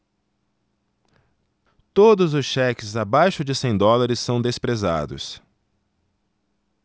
todos os cheques abaixo de cem dólares são desprezados